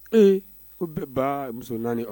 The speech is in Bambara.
Ee ko bɛɛ b'a muso naani